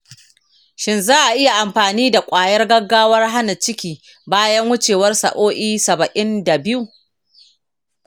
shin za a iya amfani da kwayar gaggawar hana ciki bayan wucewar sa'o'i saba’in da biyu?